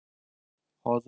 hozir o'n yetti